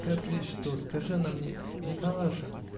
такая прелесть, что, скажи она мне: "Николаша!